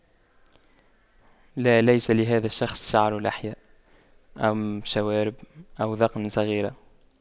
لا ليس لهذا الشخص شعر لحية أم شوارب أو ذقن صغيرة